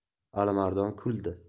alimardon kuldi